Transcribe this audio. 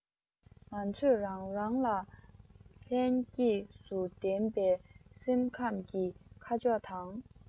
ང ཚོས རང རང ལ ལྷན སྐྱེས སུ ལྡན པའི སེམས ཁམས ཀྱི ཁ ཕྱོགས དང